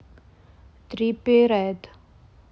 trippie redd